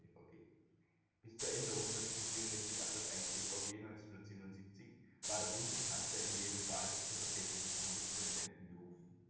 BV-G). Bis zur Änderung des Art. 64 Abs 1 BV-G 1977 war der Bundeskanzler in jedem Fall zu Vertretung des Bundespräsidenten berufen